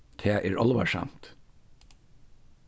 tað er álvarsamt